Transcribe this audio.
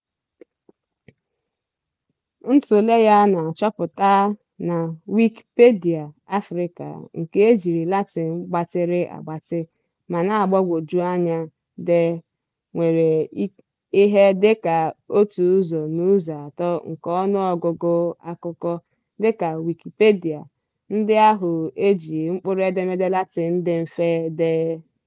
Ntule ya na-achọpụta na Wikipedia Afrịka "nke e jiri Latin gbatịrị agbatị ma na-agbagwoju anya dee nwere ihe dịka otu ụzọ n'ụzọ atọ nke ọnụọgụgụ akụkọ" dịka Wikipedia ndị ahụ e ji mkpụrụedemede Latin dị mfe dee.